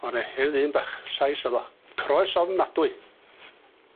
o 'ne hen ddyn bach Saes o'dd o. Croes ofnadwy.